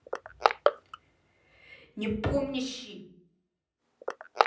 непомнящий